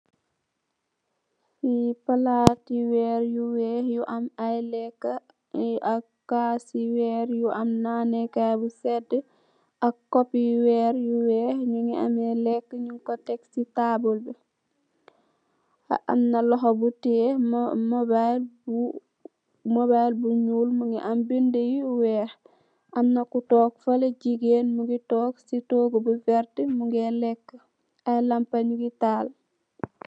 Ki palati werr yu wekh yu am aye lekah ak kasi werr yu am nanee kai bu sedi ak cup yi werr yu wekh nyungi ame lekah nyung ku tek si tabul bi, ak amna luxhu bu teyeh mobile bu nyull mungi am binduh yu wekh amna ko tog faleh jigeen mugi tok si toguh bu werta di lekhu aye lampa nyungi takhaw